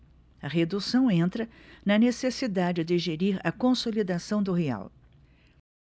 a redução entra na necessidade de gerir a consolidação do real